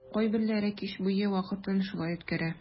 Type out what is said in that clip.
Кайберләре кич буе вакытын шулай үткәрә.